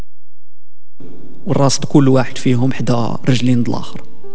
خلاص كل واحد فيهم حذاء رجل ينزل اخر